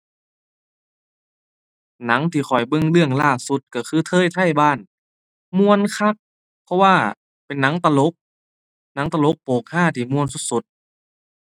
หนังที่ข้อยเบิ่งเรื่องล่าสุดก็คือ เทยไทบ้าน ม่วนคัก เพราะว่าเป็นหนังตลก หนังตลกโปกฮาที่ม่วนสุดสุด